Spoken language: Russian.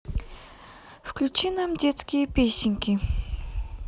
включи нам детские песенки